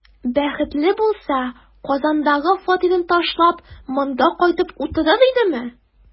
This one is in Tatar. Бәхетле булса, Казандагы фатирын ташлап, монда кайтып утырыр идеме?